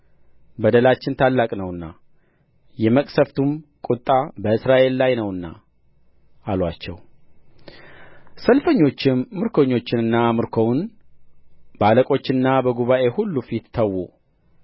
በደላችን ታላቅ ነውና የመቅሰፍቱም ቍጣ በእስራኤል ላይ ነውና አሉአቸው ሰልፈኞቹም ምርኮኞቹንና ምርኮውን በአለቆችና በጉባኤ ሁሉ ፊት ተዉ